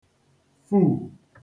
fù